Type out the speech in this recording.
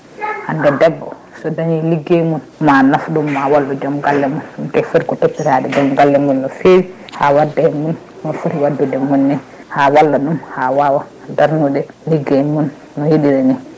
hande debbo so dañi ligguey mum ma nafɗum ma wallu joom galle mum ɗum kayi foti ko toppitade joom galle mum no fewi ha wadda e mum no foti wadude e mum ni ha walla ɗum ha wawa darnude ligguey mum no yiiɗiri ni